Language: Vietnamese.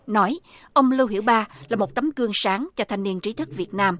nói ông lưu hiểu ba là một tấm gương sáng cho thanh niên trí thức việt nam